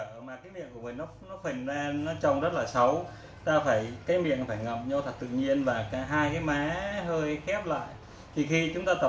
tiếng rất dở mà hai cái má lại phình ra trông xấu tệ ta phải ngậm thật tự hiên và hai cái má hơi hóp lại